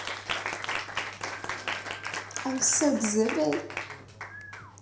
i'm so xzibit